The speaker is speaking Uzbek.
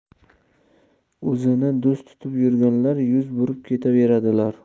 o'zini do'st tutib yurganlar yuz burib ketaveradilar